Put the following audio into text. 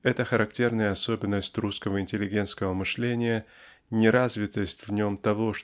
Эта характерная особенность русского интеллигентского мышления -- неразвитость в нем того